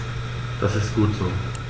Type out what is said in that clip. Das ist gut so.